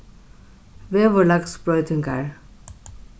veðurlagsbroytingar